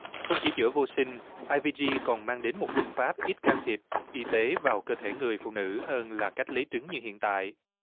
không chỉ chữa vô sinh ai vi gi còn mang đến một phương pháp ít can thiệp y tế vào cơ thể người phụ nữ hơn là cách lấy trứng như hiện tại